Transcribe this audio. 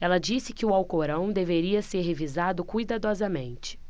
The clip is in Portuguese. ela disse que o alcorão deveria ser revisado cuidadosamente